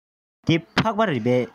འདི ཕག པ རེད པས